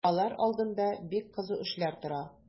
Алар алдында бик кызу эшләр тора.